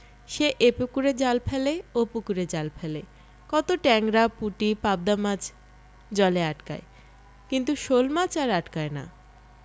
সে এ পুকুরে জাল ফেলে ও পুকুরে জাল ফেলে কত টেংরা পুঁটি পাবদা মাছ জলে আটকায় কিন্তু শোলমাছ আর আটকায় না